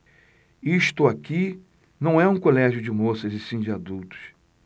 isto aqui não é um colégio de moças e sim de adultos